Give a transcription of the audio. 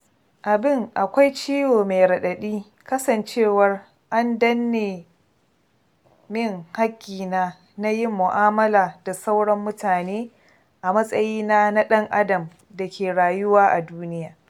Abin akwai ciwo mai raɗaɗi kasancewar an danne min haƙƙina na yin mu'amala da sauran mutane a matsayina na ɗan adam da ke rayuwa a duniya.